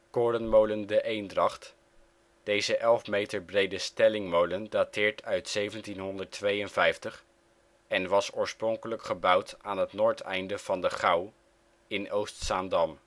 Korenmolen de Eendracht: Deze 11 meter brede stellingmolen dateert uit 1752 en was oorspronkelijk gebouwd aan het noordeinde van de Gouw in Oostzaandam